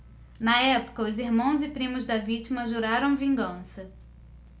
na época os irmãos e primos da vítima juraram vingança